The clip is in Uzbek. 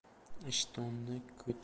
ishtonni ko'taring ishtonni